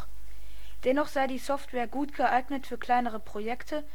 sei die Software gut geeignet für kleinere Projekte